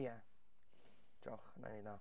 Ie. Diolch, wna i wneud 'na.